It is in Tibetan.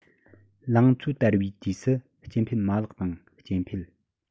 ལང ཚོའི དར བའི དུས སུ སྐྱེ འཕེལ མ ལག དང སྐྱེ འཕེལ